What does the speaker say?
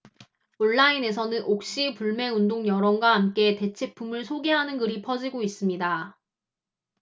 온라인에서는 옥시 불매운동 여론과 함께 대체품을 소개하는 글이 퍼지고 있습니다